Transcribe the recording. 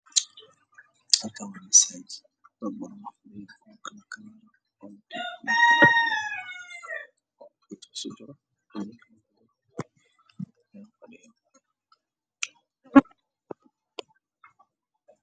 Halkaan waa masaajid niman ay kutub kubaranayaan